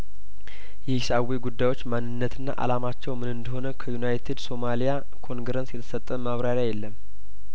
የሂስአዌይ ገዳዮች ማንነትና አላማቸውምን እንደሆነ ከዩናይትድ ሶማሊያ ኮንግረስ የተሰጠ ማብራሪያ የለም